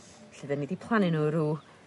Elle 'dyn ni 'di plannu n'w rw